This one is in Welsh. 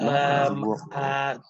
yym a